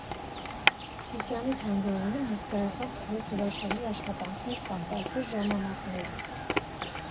Սիսիանի թանգարանում հսկայական թվով հրաշալի աշխատանքներ կան՝ տարբեր ժամանակների։